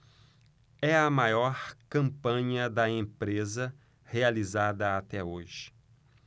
é a maior campanha da empresa realizada até hoje